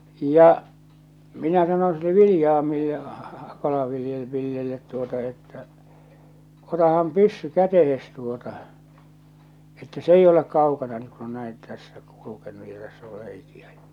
ja minä sanoin sille Viljamille - Kala-Villelle tuota että otahan pyssy käteen tuota että se ei ole kaukana niin kun on näin tässä kulkenut ja tässä on reikiä ja